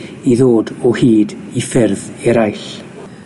i ddod o hyd i ffyrf eraill.